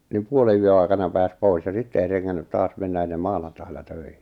niin puolenyön aikana pääsi pois ja sitten ei rengännyt taas mennä ennen maanantailla töihin